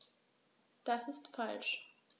Das ist falsch.